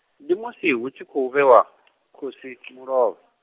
ndi musi hu tshi khou vhewa , khosi mulovha.